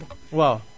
waaw